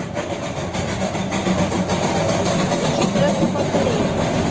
включи трек на повторение